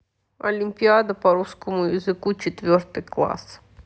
олимпиада по русскому языку четвертый класс